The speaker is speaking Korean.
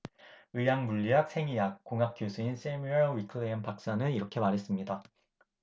의학 물리학 생의학 공학 교수인 새뮤얼 위클라인 박사는 이렇게 말했습니다